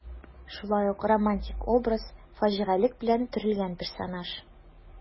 Шулай ук романтик образ, фаҗигалек белән төрелгән персонаж.